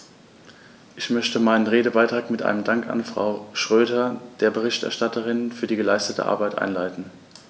Ich möchte meinen Redebeitrag mit einem Dank an Frau Schroedter, der Berichterstatterin, für die geleistete Arbeit einleiten.